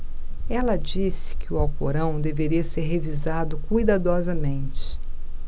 ela disse que o alcorão deveria ser revisado cuidadosamente